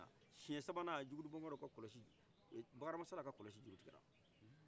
siyen sabanna jugudu ɛ banbadɔ bakary hama sala ka kɔlɔsi juru tikɛra